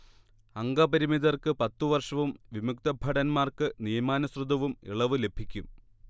അംഗപരിമിതർക്ക് പത്ത് വർഷവും വിമുക്തഭടന്മാർക്ക് നിയമാനുസൃതവും ഇളവ് ലഭിക്കും